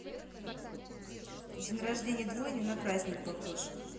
день рождения двойни на праздник похож